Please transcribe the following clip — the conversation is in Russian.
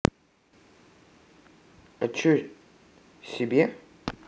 а че себе